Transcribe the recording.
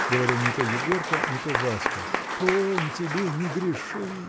— говорил не то Егорка, не то Васька. — Полно тебе, не греши!